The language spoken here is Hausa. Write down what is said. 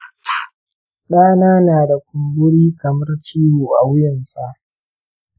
ɗana na da kumburi kamar ciwo a wuyarsa.